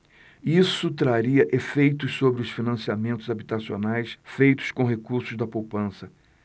isso traria efeitos sobre os financiamentos habitacionais feitos com recursos da poupança